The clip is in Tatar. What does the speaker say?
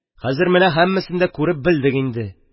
Хәзер менә барын да күреп белдек инде.